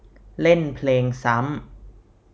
เล่นเพลงซ้ำ